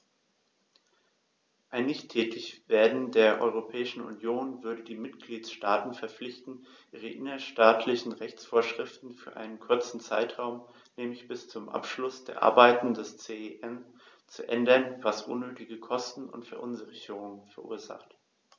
Ein Nichttätigwerden der Europäischen Union würde die Mitgliedstaten verpflichten, ihre innerstaatlichen Rechtsvorschriften für einen kurzen Zeitraum, nämlich bis zum Abschluss der Arbeiten des CEN, zu ändern, was unnötige Kosten und Verunsicherungen verursacht.